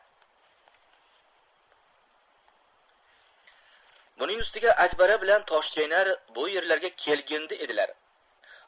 buning ustiga akbara bilan toshchaynar bu yerlarga kelgindi edilar